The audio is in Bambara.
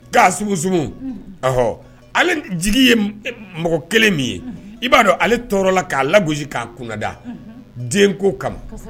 K'a sugusugu, ɔhɔ, ale jigi ye mɔgɔ kelen min ye, i b'a dɔn ale tɔɔrɔla k'a lagosi k'a kunnada, unhun, denko kama